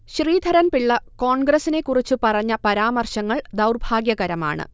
ശ്രീധരൻപിള്ള കോൺഗ്രസിനെ കുറിച്ച് പറഞ്ഞ പരാമർശങ്ങൾ ദൗർഭാഗ്യകരമാണ്